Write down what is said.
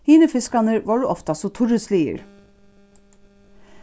hinir fiskarnir vóru ofta so turrisligir